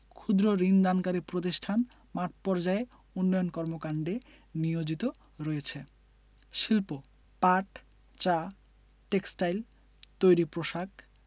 ক্ষুদ্র্ ঋণ দানকারী প্রতিষ্ঠান মাঠপর্যায়ে উন্নয়ন কর্মকান্ডে নিয়োজিত রয়েছে শিল্পঃ পাট চা টেক্সটাইল তৈরি পোশাক